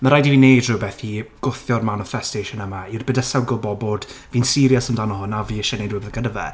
Mae'n rhaid i ni wneud rhywbeth i gwthio'r manifestation yma. I'r bydysawd gwbod bod fi'n serious amdano hwn a fi eisiau gwneud rhywbeth gyda fe.